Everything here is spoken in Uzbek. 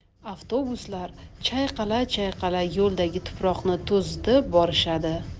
avtobuslar chayqala chayqala yo'ldagi tuproqni to'zitib borishadi